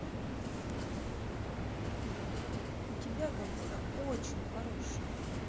у тебя голоса очень хорошие